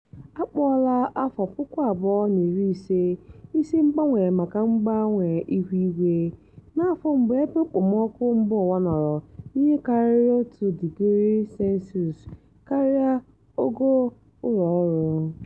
A kpọọla 2015 isi mgbanwe maka mgbanwe ihuigwe; N'afọ mbụ ebe okpomọkụ mbaụwa nọrọ n'ihe karịrị 1°C karịa ogo ụlọọrụ.